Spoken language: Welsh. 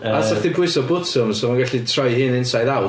A 'sech chdi'n pwyso botwm 'sa fo'n gallu troi'i hun inside out...